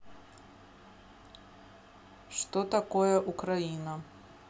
что такое украина